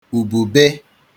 ùbùbe